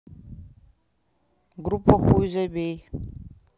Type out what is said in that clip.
группа хуй забей